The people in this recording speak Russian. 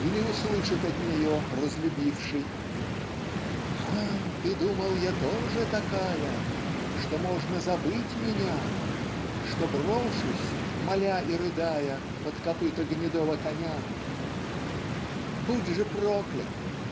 Или услышит от нее разлюбивший: А! ты думал я тоже такая Что можно забыть меня Что брошусь моля и рыдая Под копыто гнедого коня. . Будь же проклят.